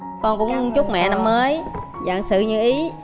con cũng chúc mẹ năm mới vạn sự như ý